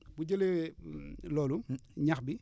bu jëlee loolu ñax bi